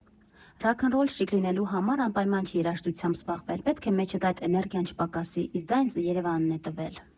Ռաքնռոլշիկ լինելու համար անպայման չի երաժշտությամբ զբաղվել, պետք է մեջդ այդ էներգիան չպակասի, իսկ դա ինձ Երևանն է տվել։